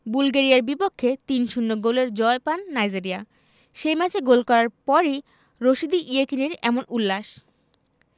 বুলগেরিয়ার বিপক্ষে ৩ ০ গোলের জয় পান নাইজেরিয়া সে ম্যাচে গোল করার পরই রশিদী ইয়েকিনির এমন উল্লাস